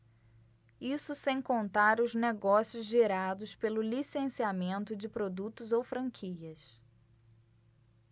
isso sem contar os negócios gerados pelo licenciamento de produtos ou franquias